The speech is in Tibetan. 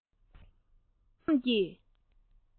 བྱིས པ དེའི ཞིམ ཉམས ཀྱི